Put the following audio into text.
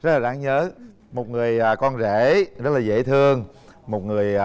rất là đáng nhớ một người con rể rất là dễ thương một người